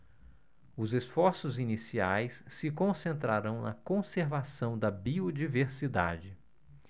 os esforços iniciais se concentrarão na conservação da biodiversidade